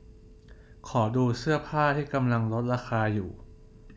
ขอดูเสื้อผ้าที่กำลังลดราคาอยู่